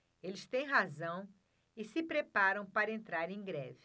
eles têm razão e se preparam para entrar em greve